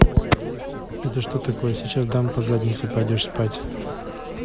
это что такое сейчас дам по заднице пойдешь спать